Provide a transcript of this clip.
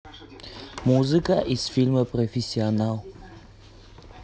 музыка из фильма профессионал